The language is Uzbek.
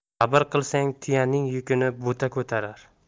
sabr qilsang tuyaning yukini bo'ta ko'tarar